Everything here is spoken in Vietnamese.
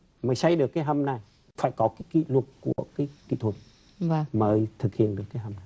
mới xây được cái hầm này phải có cái kỷ lục của kỹ thuật mới thực hiện được cái hầm